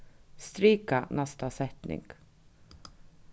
strika næsta setning